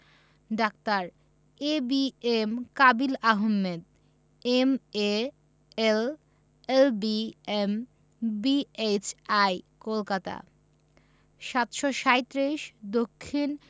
ডাঃ A B M Kabil Ahmed M A L L B M B H I Kolkata ৭৩৭ দক্ষিন